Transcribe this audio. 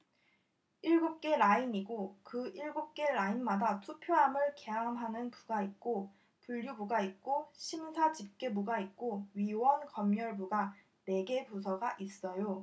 일곱 개 라인이고 그 일곱 개 라인마다 투표함을 개함하는 부가 있고 분류부가 있고 심사집계부가 있고 위원검열부가 네 개 부서가 있어요